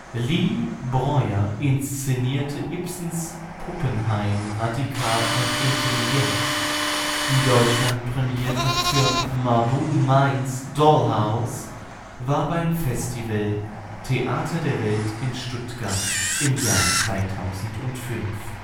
Lee Breuer inszenierte Ibsens Puppenheim radikal und intelligent. Die Deutschland-Premiere für Mabou Mines Dollhouse war beim Festival Theater der Welt in Stuttgart im Jahr 2005